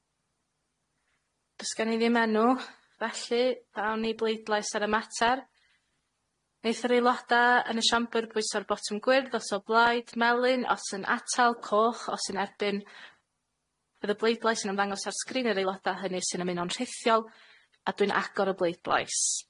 Do's gen i ddim enw felly awn ni i bleidlais ar y mater. Neith yr aeloda' yn y siambr bwyso'r botwm gwyrdd os o blaid, melyn os yn atal, coch os yn erbyn. Fydd y bleidlais yn ymddangos ar sgrin yr aeloda' hynny sy'n ymuno'n rhithiol, a dwi'n agor y bleidlais.